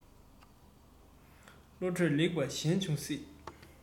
བློ གྲོས ལེགས པ གཞན འབྱུང སྲིད